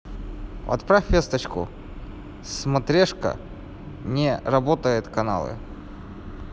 отправь весточку смотрешка не работает каналы